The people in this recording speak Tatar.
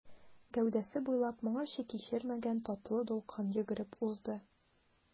Гәүдәсе буйлап моңарчы кичермәгән татлы дулкын йөгереп узды.